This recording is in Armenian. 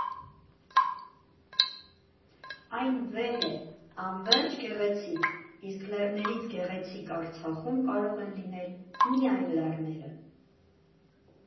Այն վեհ է, անվերջ գեղեցիկ, իսկ լեռներից գեղեցիկ Արցախում կարող են լինել միայն լեռները։